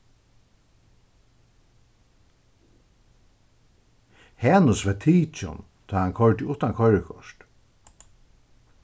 hanus varð tikin tá hann koyrdi uttan koyrikort